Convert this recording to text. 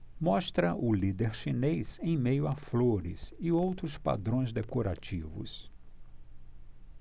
mostra o líder chinês em meio a flores e outros padrões decorativos